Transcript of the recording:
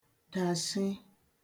dàshi